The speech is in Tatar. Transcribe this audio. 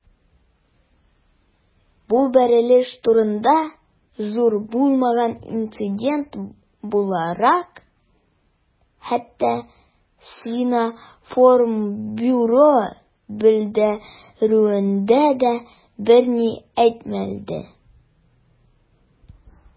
Бу бәрелеш турында, зур булмаган инцидент буларак, хәтта Совинформбюро белдерүендә дә берни әйтелмәде.